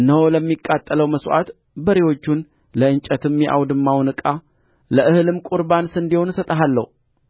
እነሆ ለሚቃጠለው መሥዋዕት በሬዎቹን ለእንጨትም የአውድማውን ዕቃ ከእህልም ቍርባን ስንዴውን እሰጥሃለሁ